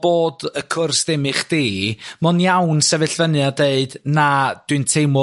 bod y cwrs ddim i chdi mo'n iawn sefyll fyny a deud na dwi'n teimlo